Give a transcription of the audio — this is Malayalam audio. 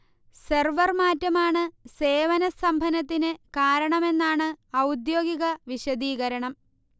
സെർവർ മാറ്റമാണ് സേവന സ്തംഭനത്തിന് കാരണമെന്നാണ് ഔദ്യോഗിക വിശദീകരണം